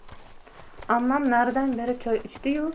ammam naridan beri choy ichdi yu